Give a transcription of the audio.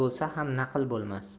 bo'lsa ham naql bo'lmas